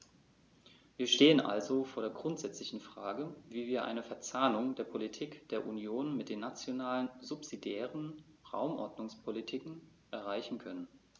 Wir stehen also vor der grundsätzlichen Frage, wie wir eine Verzahnung der Politik der Union mit den nationalen subsidiären Raumordnungspolitiken erreichen können.